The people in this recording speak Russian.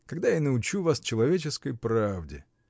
Когда я научу вас человеческой правде?